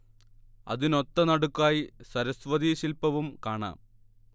അതിനൊത്തനടുക്കായി സരസ്വതി ശില്പവും കാണാം